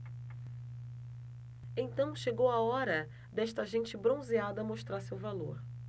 então chegou a hora desta gente bronzeada mostrar seu valor